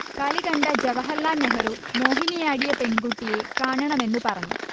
കളികണ്ട ജവഹർലാൽ നെഹ്രു മോഹിനി ആടിയ പെൺകുട്ടിയെ കാണണമെന്ന് പറഞ്ഞു